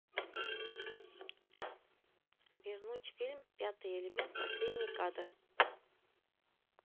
вернуть фильм пятый элемент последний кадр